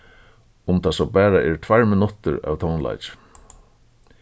um tað so bara eru tveir minuttir av tónleiki